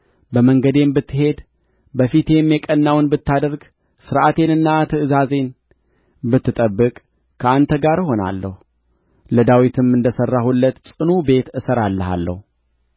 በመንገዴም ብትሄድ በፊቴም የቀናውን ብታደርግ ሥርዓቴንና ትእዛዜን ብትጠብቅ ከአንተ ጋር እሆናለሁ ለዳዊትም እንደ ሠራሁለት ጽኑ ቤት እሠራልሃለሁ